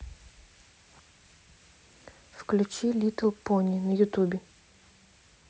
включи литтл пони на ютубе